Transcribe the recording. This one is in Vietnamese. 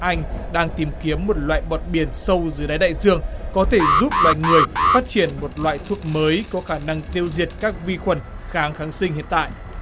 anh đang tìm kiếm một loại bọt biển sâu dưới đáy đại dương có thể giúp loài người phát triển một loại thuốc mới có khả năng tiêu diệt các vi khuẩn kháng kháng sinh hiện tại